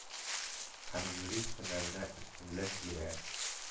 Һәм юрист һөнәренә өстенлек бирә.